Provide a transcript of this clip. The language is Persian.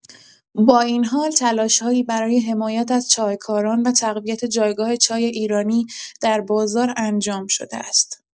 با این حال تلاش‌هایی برای حمایت از چایکاران و تقویت جایگاه چای ایرانی در بازار انجام شده است.